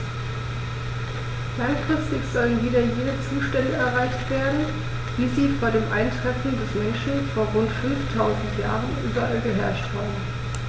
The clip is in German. Langfristig sollen wieder jene Zustände erreicht werden, wie sie vor dem Eintreffen des Menschen vor rund 5000 Jahren überall geherrscht haben.